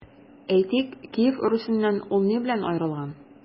Әйтик, Киев Русеннан ул ни белән аерылган?